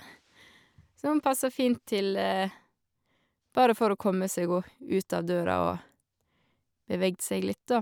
Som passer fint til bare for å komme seg oh ut av døra og beveget seg litt, da.